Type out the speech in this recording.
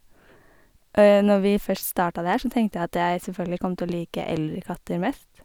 Når vi først starta det her så tenkte jeg at jeg selvfølgelig kom til å like eldre katter mest.